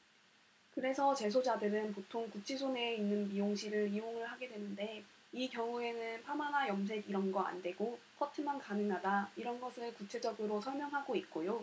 그래서 재소자들은 보통 구치소 내에 있는 미용실을 이용을 하게 되는데 이 경우에는 파마나 염색 이런 거 안 되고 커트만 가능하다 이런 것을 구체적으로 설명하고 있고요